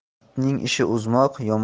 itning ishi uzmoq